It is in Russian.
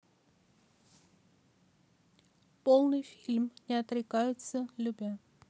полный фильм не отрекаются любя